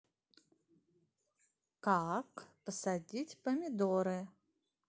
как посадить помидоры